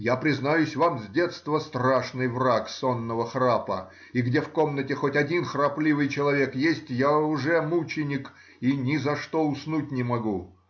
Я, признаюсь вам, с детства страшный враг сонного храпа, и где в комнате хоть один храпливый человек есть, я уже мученик и ни за что уснуть не могу